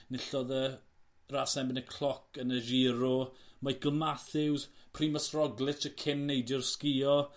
Enillodd y ras yn erbyn y cloc yn y Giro Micheal Matthews Primož Roglič y cyn neidiwr sgio.